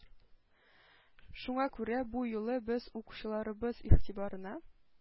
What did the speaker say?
Шуңа күрә бу юлы без укучыларыбыз игътибарына